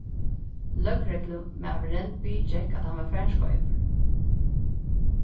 løgreglumaðurin viðgekk at hann var farin skeivur